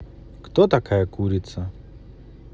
кто такая курица